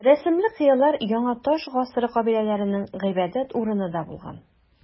Рәсемле кыялар яңа таш гасыры кабиләләренең гыйбадәт урыны да булган.